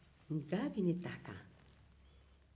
nka bɛ ne ta kan